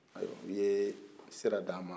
u ye sira d'a ma